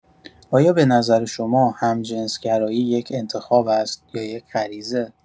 آیا به نظر شما همجنس‌گرایی یک انتخاب است یا یک غریزه؟